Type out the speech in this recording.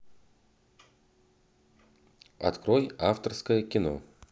открой авторское кино